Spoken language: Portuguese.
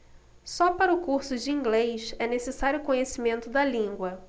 só para o curso de inglês é necessário conhecimento da língua